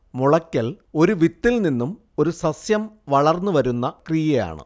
മുളയ്ക്കൽഒരു വിത്തിൽനിന്നും ഒരു സസ്യം വളർന്നുവരുന്ന പ്രക്രിയയാണ്